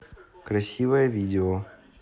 красивое видео